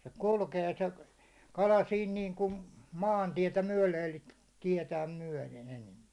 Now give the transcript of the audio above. se kulkee se kala siinä niin kuin maantietä myöden eli tietään myöden enempi